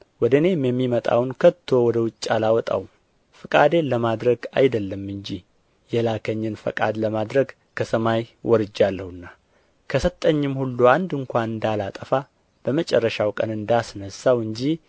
ወደ እኔም የሚመጣውን ከቶ ወደ ውጭ አላወጣውም ፈቃዴን ለማድረግ አይደለም እንጂ የላከኝን ፈቃድ ለማድረግ ከሰማይ ወርጃለሁና ከሰጠኝም ሁሉ አንድን ስንኳ እንዳላጠፋ በመጨረሻው ቀን እንዳስነሣው እንጂ